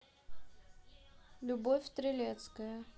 любовь трелецкая